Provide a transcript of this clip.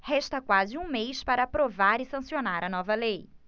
resta quase um mês para aprovar e sancionar a nova lei